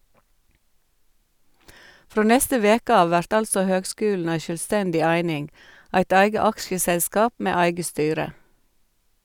Frå neste veke av vert altså høgskulen ei sjølvstendig eining, eit eige aksjeselskap med eige styre.